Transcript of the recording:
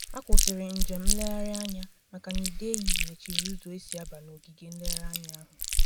A kwụsịrị njem nleghari anya maka na ịdeyị mechiri ụzọ esi aba n'ogige nlere anya ahụ.